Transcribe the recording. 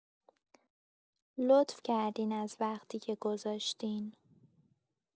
لطف کردین از وقتی‌که گذاشتین